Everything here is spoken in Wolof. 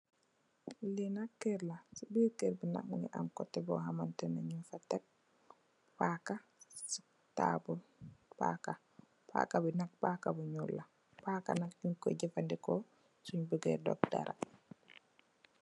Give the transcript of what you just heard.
Li nak kër la, ci biir kër bi nak mungi am koteh bo hamantene nung fa tekk paka ci taabul. Paka, paka bi nak paka bu ñuul la. Paka nak nung koy jafadeko sunn bu jaaye dogg dara.